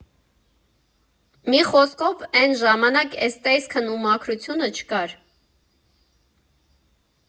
Մի խոսքով՝ էն ժամանակ էս տեսքն ու մաքրությունը չկար։